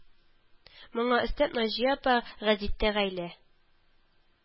Моңа өстәп Наҗия апа гәзиттә Гаилә